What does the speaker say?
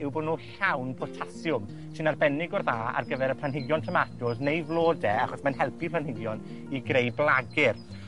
yw bod nw llawn Potasiwm, sy'n arbennig o dda ar gyfer y planhigion tomatos neu flodau achos mae'n helpu planhigion i greu blagur.